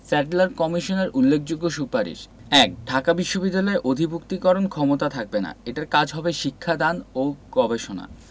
Sadler কমিশনের উল্লেখযোগ্য সুপারিশ: ১. ঢাকা বিশ্ববিদ্যালয়ের অধিভুক্তিকরণ ক্ষমতা থাকবে না এটার কাজ হবে শিক্ষা দান ও গবেষণা